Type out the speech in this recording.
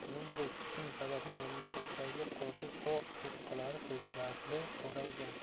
shuningdek tutun sababli mamlakatdagi qorli tog' cho'qqilari sezilarli qoraygan